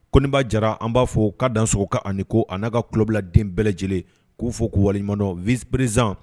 Koba jara an b'a fɔ k kaa danso ka ani ko a n'a ka tulobiladen bɛɛ lajɛlen k'u fɔ k' waleɲumandɔ vvpriz